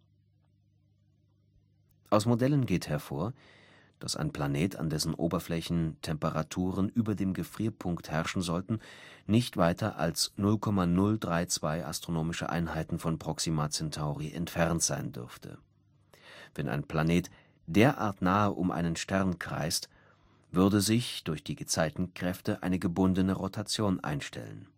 Aus Modellen geht hervor, dass ein Planet, an dessen Oberfläche Temperaturen über dem Gefrierpunkt herrschen sollten, nicht weiter als 0,032 AE von Proxima Centauri entfernt sein dürfte. Wenn ein Planet derart nahe um einen Stern kreist, würde sich durch die Gezeitenkräfte eine gebundene Rotation einstellen